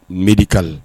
M